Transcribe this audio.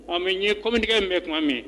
Ɔ ye cotigɛ in bɛ tuma min